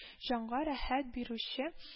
Җанга рәхәт бирүче